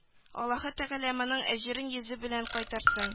Аллаһы тәгалә моның әҗерен йөзе белән кайтарсын